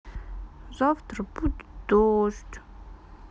завтра будет дождь